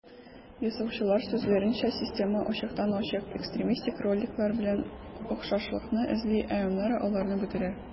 Ясаучылар сүзләренчә, система ачыктан-ачык экстремистик роликлар белән охшашлыкны эзли, ә аннары аларны бетерә.